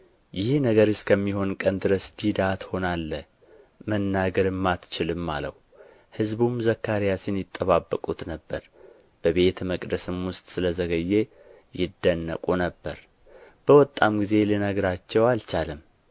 ይህ ነገር እስከሚሆን ቀን ድረስ ዲዳ ትሆናለህ መናገርም አትችልም አለው ሕዝቡም ዘካርያስን ይጠብቁት ነበር በቤተ መቅደስም ውስጥ ስለ ዘገየ ይደነቁ ነበር በወጣም ጊዜ ሊነግራቸው አልቻለም